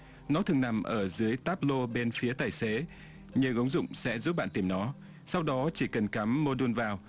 nó thường nằm ở dưới táp lô bên phía tài xế nhờ ứng dụng sẽ giúp bạn tìm nó sau đó chỉ cần cắm mô đun vào